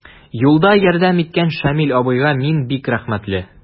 Юлда ярдәм иткән Шамил абыйга мин бик рәхмәтле.